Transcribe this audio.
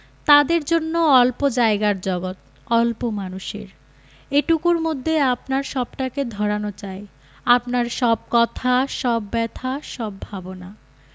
তাদের জন্য অল্প জায়গার জগত অল্প মানুষের এটুকুর মধ্যে আপনার সবটাকে ধরানো চাই আপনার সব কথা সব ব্যাথা সব ভাবনা